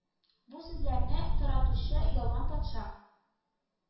Бу сүзләрне таратучы Ялган патша